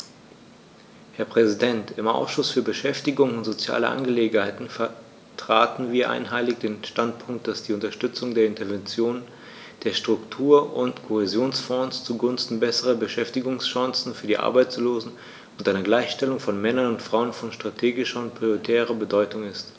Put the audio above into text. Herr Präsident, im Ausschuss für Beschäftigung und soziale Angelegenheiten vertraten wir einhellig den Standpunkt, dass die Unterstützung der Interventionen der Struktur- und Kohäsionsfonds zugunsten besserer Beschäftigungschancen für die Arbeitslosen und einer Gleichstellung von Männern und Frauen von strategischer und prioritärer Bedeutung ist.